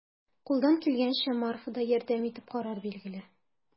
Кулдан килгәнчә Марфа да ярдәм итеп карар, билгеле.